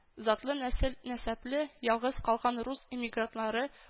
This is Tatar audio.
Затлы нәсел-нәсәпле ялгыз калган рус эмигрантлары